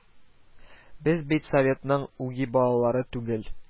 Без бит Советның үги балалары түгел